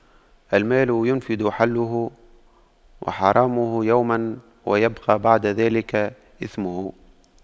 المال ينفد حله وحرامه يوماً ويبقى بعد ذلك إثمه